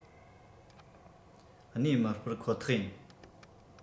གནས མི སྤོར ཁོ ཐག ཡིན